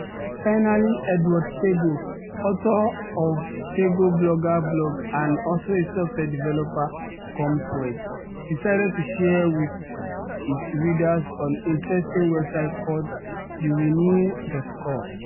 Finally, Edward Tagoe, author of Tagoe Blogger blog and also a software developer-cum-poet, decided to share with his readers an interesting website called YOURENEW.COM.